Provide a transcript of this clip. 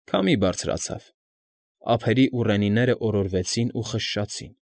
Քամի բարձրացավ, ափերի ուռենիներն օրորվեցին ու խշշացին։